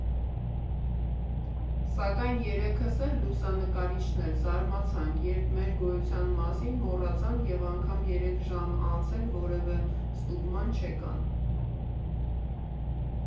Սակայն երեքս էլ (լուսանկարիչն էլ) զարմացանք, երբ մեր գոյության մասին մոռացան և անգամ երեք ժամ անց էլ որևէ ստուգման չեկան։